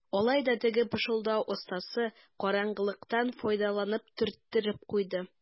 Алай да теге пышылдау остасы караңгылыктан файдаланып төрттереп куйды.